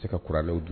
Se ka kuranɛw du